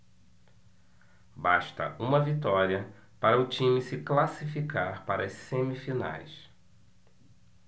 basta uma vitória para o time se classificar para as semifinais